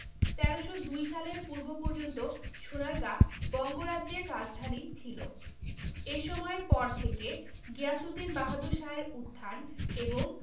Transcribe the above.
১৩০২ সালের পূর্ব পর্যন্ত সোনারগাঁ বঙ্গরাজ্যের রাজধানী ছিল এ সময়ের পর থেকে গিয়াসুদ্দীন বাহাদুর শাহের উত্থান এবং